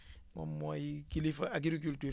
moom mooy kilifa agriculture